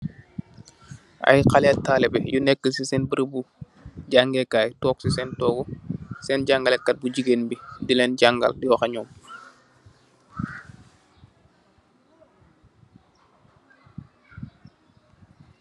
Ay xalee taalube yu neekë si seen berëbu jaangee kaay. Seen jaangalekat bu jigéen bi di leen jaangal, di wax ak ñoom.